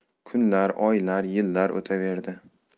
kunlar oylar yillar o'taverdi